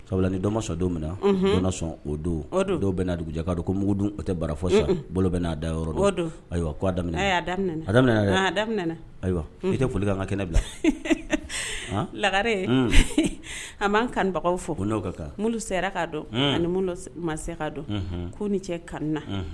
Sabula ni dɔmɔ sɔn don mina na nana sɔn o don o don dɔw bɛna na dugujɛ'a ko mugu dun o tɛ barafɔsi bolo bɛ n'a da yɔrɔ don ayiwaa daminɛ' daminɛ a daminɛ daminɛminɛna ayiwa i tɛ foli ka' ka kɛnɛ bila lagare anan kanbagaw fɔ kow ka kan' sera'a dɔn ani minnu ma seka don ko ni cɛ ka